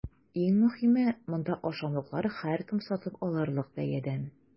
Иң мөһиме – монда ашамлыклар һәркем сатып алырлык бәядән!